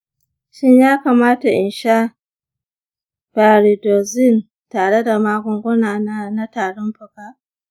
shin ya kamata in sha pyridoxine tare da magunguna na tarin fuka?